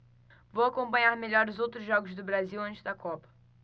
vou acompanhar melhor os outros jogos do brasil antes da copa